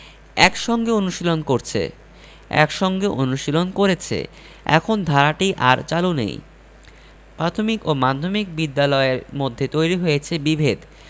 একসঙ্গে অনুশীলন করছে একসঙ্গে অনুশীলন করেছে এখন ধারাটি আর চালু নেই প্রাথমিক ও মাধ্যমিক বিদ্যালয়ের মধ্যে তৈরি হয়েছে বিভেদ